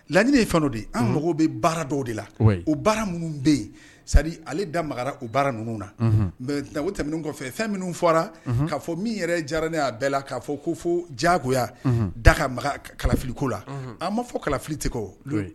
Laɲiniinɛ ye fɛn de ye an mago bɛ baara dɔw de la o baara minnu bɛ yen ale da mara u baara ninnu na mɛ na tɛmɛn kɔfɛ fɛn minnu fɔra'a fɔ min yɛrɛ diyara ne' a bɛɛ la k'a fɔ ko fo jagoya da kalafiliko la an ma fɔ kalafili tɛ o